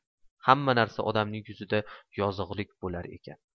hamma narsa odamning yuzida yozug'lik bo'lar ekan